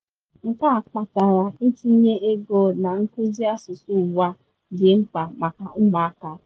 Nke a kpatara itinye ego na nkuzi asụsụ ugbu a dị mkpa maka ụmụaka taa.